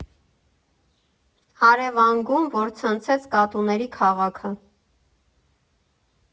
Առևանգում, որ ցնցեց կատուների քաղաքը։